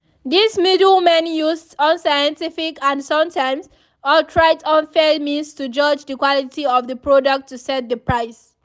These middlemen used unscientific and sometimes outright unfair means to judge the quality of the product to set the price.